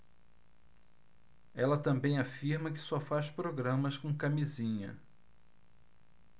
ela também afirma que só faz programas com camisinha